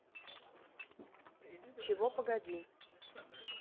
чего погоди